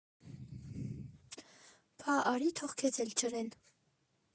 Բա արի թող քեզ էլ ջրեն։